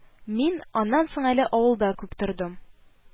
Мин аннан соң әле авылда күп тордым